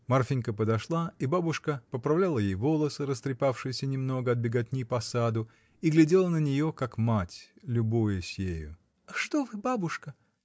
Марфинька подошла, и бабушка поправляла ей волосы, растрепавшиеся немного от беготни по саду, и глядела на нее, как мать, любуясь ею. — Что вы, бабушка?